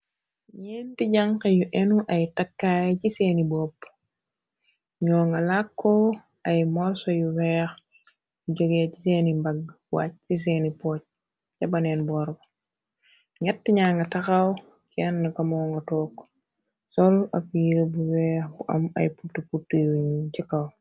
Ñenti janxe yu enu ay takkaay ci seeni boppu, ñoo nga làkkoo ay morso yu weex, joge ci seeni mbagg wàcc ci seeni pooj ca baneen boor ba, ñett ña nga taxaw, kenne ka mo nga toog, sol ab yire bu weex bu am ay put put yu ñuul ci kawam.